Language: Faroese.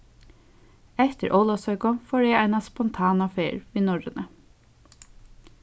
eftir ólavsøku fór eg eina spontana ferð við norrønu